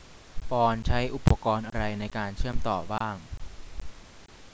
ปอนด์ใช้อุปกรณ์อะไรในการเชื่อมต่อบ้าง